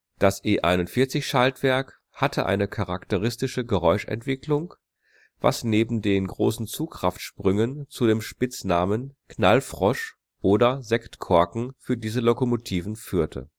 Das E 41-Schaltwerk hatte eine charakteristische Geräuschentwicklung, was neben den großen Zugkraftsprüngen zu den Spitznamen „ Knallfrosch “oder „ Sektkorken “für diese Lokomotiven führte